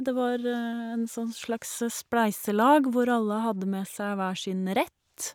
Det var en sånn slags spleiselag hvor alle hadde med seg hver sin rett.